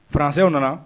Français nana